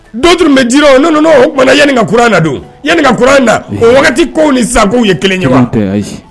Do tun bɛ ji o n uumana yananika kura na donanika kura in na o wagati ko ni sakou ye kelen ɲɛ